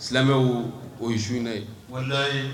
Silamɛmɛ o o ye su ye wali ye